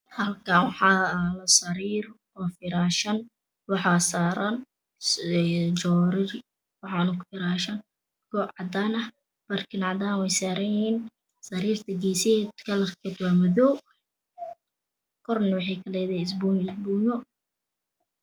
Halkaan waxaa aalo sarir oo firaashan waxaa saraan jorari waxa ku firaashan goo,a cadaan ah barkin cadaan wey saran yihiin sarirta gesaheda kalarkedu waa madoow korne waxey ka ledahy isbuy isbuyo